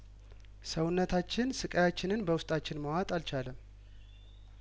ሰውነታችን ስቃ ያችንን በውስጣችን መዋጥ አልቻለም